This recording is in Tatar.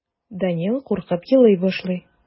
Данил куркып елый башлый.